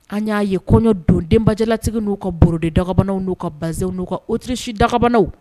An y'a ye kɔɲɔ dondenbajɛlatigi n' uu ka bolodendabanw n'u ka baz n'u ka otiriri dabanw